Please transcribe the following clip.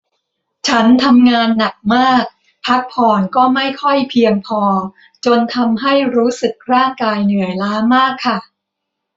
ฉันทำงานหนักมากพักผ่อนก็ไม่ค่อยเพียงพอจนทำให้รู้สึกร่างกายเหนื่อยล้ามากค่ะ